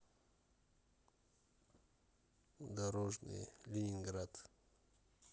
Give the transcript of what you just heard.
дорожные ленинград